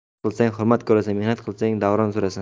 hurmat qilsang hurmat ko'rasan mehnat qilsang davron surasan